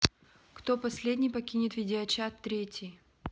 кто последний покинет видеочат третий